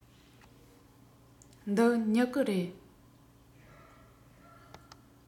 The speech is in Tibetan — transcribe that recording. འདི སྨྱུ གུ རེད